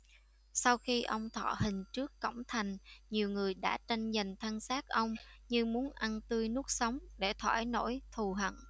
sau khi ông thọ hình trước cổng thành nhiều người đã tranh giành thân xác ông như muốn ăn tươi nuốt sống để thỏa nỗi thù hận